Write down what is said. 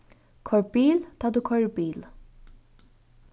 koyr bil tá tú koyrir bil